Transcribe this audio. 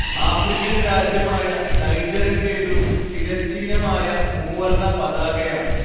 African രാജ്യമായ നൈജറിന്റേതും തിരശ്ചീനമായ മൂവർണ്ണ പതാകയാണ്